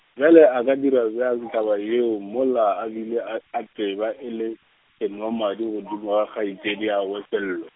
bjale a ka dira bjang taba yeo mola a bile a, a tseba e le, senwamadi godimo ga kgaetšediagwe Sello?